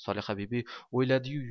solihabibi o'yladi yu